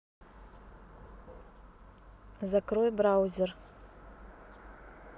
закрой браузер